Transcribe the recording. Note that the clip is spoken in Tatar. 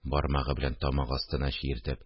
(бармагы белән тамак астына чиертеп)